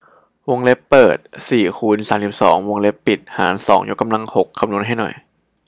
วงเล็บเปิดสี่คูณสามสิบสองวงเล็บปิดหารสองยกกำลังหกคำนวณให้หน่อย